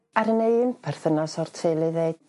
Aru 'na perthynas o'r teulu ddeu